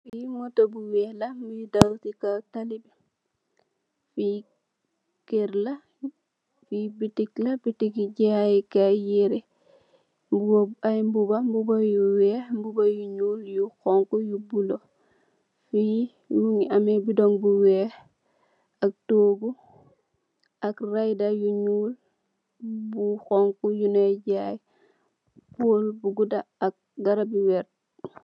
Lee motor bu weex la muge daw se kaw talih be fe kerr fe betik la betike jaye kaye yere aye muba muba yu weex muba yu nuul yu xonxo yu bulo fe muge ameh bedong bu weex ak toogu ak reyda yu nuul bu xonxo yunuy jaye pole bu gouda ak garab yu verte.